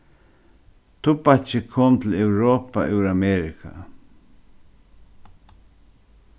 tubbakið kom til europa úr amerika